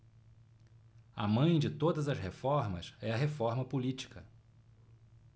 a mãe de todas as reformas é a reforma política